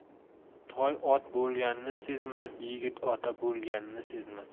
toy ot bo'lganini sezmas yigit ota bo'lganini sezmas